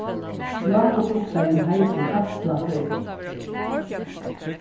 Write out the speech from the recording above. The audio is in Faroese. jákup hugsaði um heidi alla tíðina